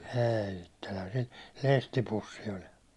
ei itsellä se lestipussi oli